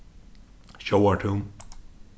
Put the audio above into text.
sjóvartún